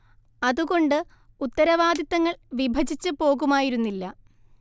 അതുകൊണ്ട് ഉത്തരവാദിത്തങ്ങൾ വിഭജിച്ച് പോകുമായിരുന്നില്ല